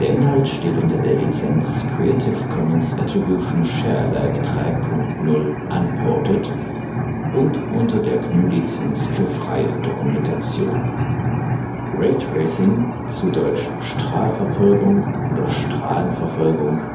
Inhalt steht unter der Lizenz Creative Commons Attribution Share Alike 3 Punkt 0 Unported und unter der GNU Lizenz für freie Dokumentation. Raytracing (dt. Strahlverfolgung oder Strahlenverfolgung